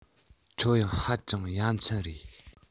ཁྱོད ཡང ཧ ཅང ཡ མཚན རེད